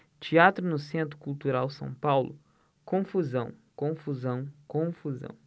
teatro no centro cultural são paulo confusão confusão confusão